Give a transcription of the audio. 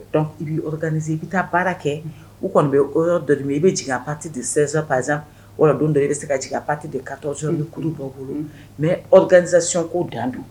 I bɛaniz i bɛ taa baara kɛ u kɔni bɛ o yɔrɔ dɔ min i bɛ jigin pati de sɛsa pazsa wala don dɔ i bɛ se ka pati de ka sɔrɔ ni kuru b bolo mɛ gananizyɔnko dan don